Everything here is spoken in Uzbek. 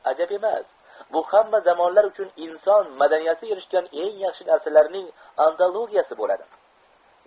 ajab emas bu hamma zamonlar uchun inson madaniyati erishgan eng yaxshi narsalarning antologiyasi bo'ladi